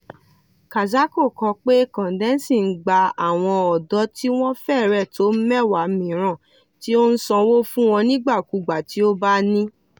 Kazako kọ pé Kondesi ń gba àwọn ọ̀dọ́ tí wọ́n fẹ́rẹ̀ tó mẹ́wàá mìíràn, tí ó ń sanwó fún wọn ní ìgbàkugbà tí ó bá ní.